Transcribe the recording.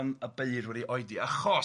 y beurdd wedi oedi achos de